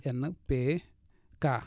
NPK